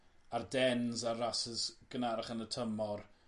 Ardenes a'r rasys gynarach yn y tymor